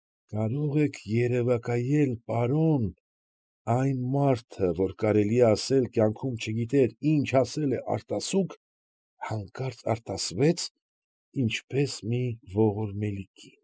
Կարող եք երևակայել, պարոն. այն մարդը, որ կարելի է ասել, կյանքում չգիտեր ինչ ասել է արտասուք, հանկարծ արտասվեց, ինչպես մի ողորմելի կին։